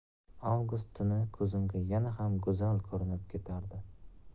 avgust tuni ko'zimga yana ham go'zal ko'rinib ketardi